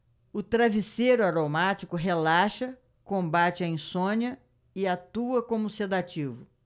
o travesseiro aromático relaxa combate a insônia e atua como sedativo